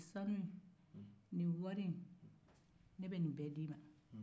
sanu in nin wari in ne bɛ nin bɛɛ di i ma